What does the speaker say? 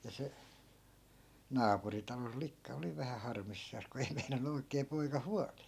ja se naapurin talon likka oli vähän harmissaan kun ei meinannut oikein poika huolia